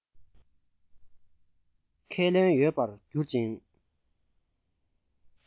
ཁས ལེན ཡོད པར གྱུར ཅིང